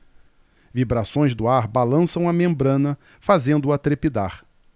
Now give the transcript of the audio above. vibrações do ar balançam a membrana fazendo-a trepidar